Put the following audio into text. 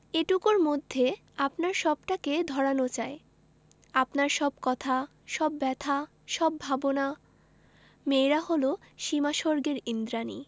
এটুকুর মধ্যে আপনার সবটাকে ধরানো চাই আপনার সব কথা সব ব্যাথা সব ভাবনা মেয়েরা হল সীমাস্বর্গের ঈন্দ্রাণী